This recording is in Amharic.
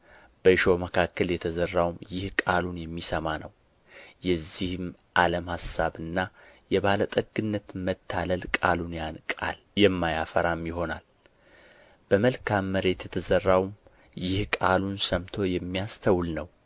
በእሾህ መካከል የተዘራውም ይህ ቃሉን የሚሰማ ነው የዚህም ዓለም አሳብና የባለጠግነት መታለል ቃሉን ያንቃል የማያፈራም ይሆናል በመልካም መሬት የተዘራውም ይህ ቃሉን ሰምቶ የሚያስተውል ነው